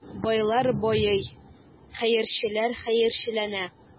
Байлар байый, хәерчеләр хәерчеләнә.